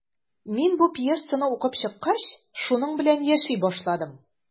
Мин бу пьесаны укып чыккач, шуның белән яши башладым.